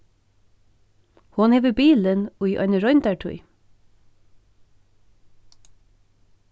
hon hevur bilin í eini royndartíð